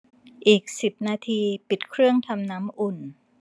อีกสิบนาทีปิดเครื่องทำน้ำอุ่น